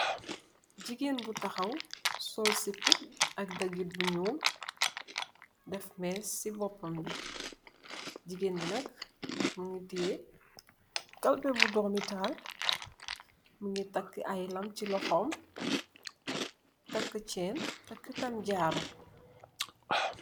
Gigeen bu taxaw sol sipu ak dagit bu ñuul, dèf més ci bópam bi gigeen bi nak mugii teyeh kalpèh bi doomi tahal, mu ngi takka ay lam ci loxom takka cèèn takka tam jaru.